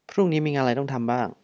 พรุ่งนี้มีงานอะไรต้องทำบ้าง